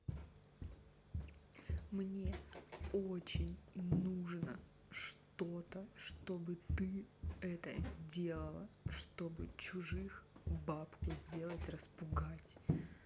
мне очень нужно что то чтобы ты это сделала чтобы чужих бабку сделать распугать